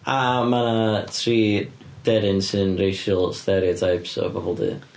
A mae 'na tri deryn sy'n racial stereotypes o bobl du.